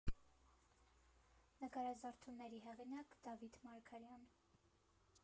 Նկարազարդումների հեղինակ՝ Դավիթ Մարգարյան։